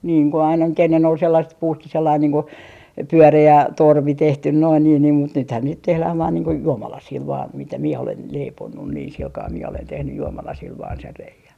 niin kun aina nyt ennen oli sellaiset puusta sellainen niin kuin pyöreä torvi tehty noin niin niin mutta nythän niitä tehdään vain niin kuin juomalasilla vain mitä minä olen leiponut niin sillä kalella minä olen tehnyt juomalasilla vain sen reiän